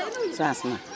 changement